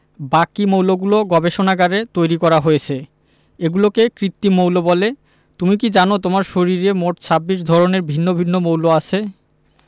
বাকি মৌলগুলো গবেষণাগারে তৈরি করা হয়েছে এগুলোকে কৃত্রিম মৌল বলে তুমি কি জানো তোমার শরীরে মোট ২৬ ধরনের ভিন্ন ভিন্ন মৌল আছে